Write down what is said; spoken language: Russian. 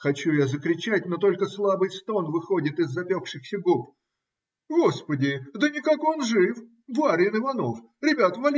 хочу я закричать, но только слабый стон выходит из запекшихся губ. - Господи! Да никак он жив? Барин Иванов! Ребята!